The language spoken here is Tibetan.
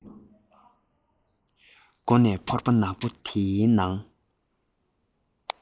སྒོ ནས ཕོར པ ནག པོ དེའི ནང